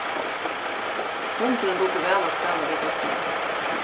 hundurin dugdi væl at spæla við børnini